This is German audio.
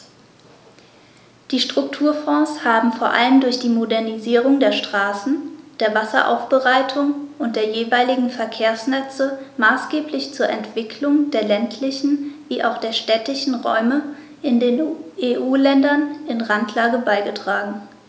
Die Strukturfonds haben vor allem durch die Modernisierung der Straßen, der Wasseraufbereitung und der jeweiligen Verkehrsnetze maßgeblich zur Entwicklung der ländlichen wie auch städtischen Räume in den EU-Ländern in Randlage beigetragen.